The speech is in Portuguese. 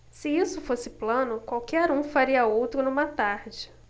se isso fosse plano qualquer um faria outro numa tarde